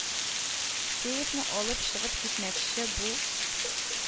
Сейфны алып чыгып китмәкче бу